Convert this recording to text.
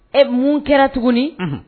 Ɛ mun kɛra tuguni, unhun